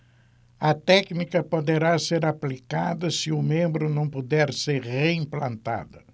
a técnica poderá ser aplicada se o membro não puder ser reimplantado